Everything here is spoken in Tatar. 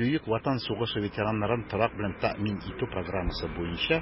Бөек Ватан сугышы ветераннарын торак белән тәэмин итү программасы буенча